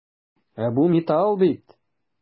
Ә бу металл бит!